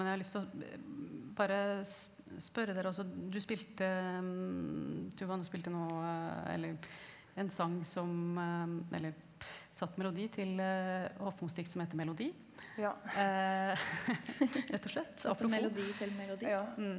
men jeg har lyst til å bare spørre dere også du spilte Tuva du spilte noe eller en sang som eller satt melodi til Hofmos dikt som heter Melodi rett og slett apropos.